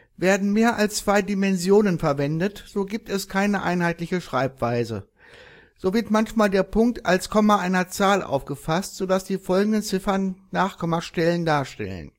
Werden mehr als zwei Dimensionen verwendet, so gibt es keine einheitliche Schreibweise. So wird manchmal der Punkt als Komma einer Zahl aufgefasst, so dass die folgenden Ziffern Nachkommastellen darstellen